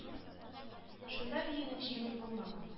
Шунда биюнең җиңел булмаган